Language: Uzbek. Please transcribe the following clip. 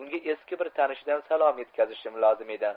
unga eski bir tanishidan salom yetkazishim lozim edi